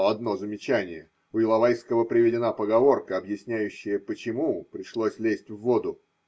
– Одно замечание: у Иловайского приведена поговорка, объясняющая, почему пришлось лезть в воду.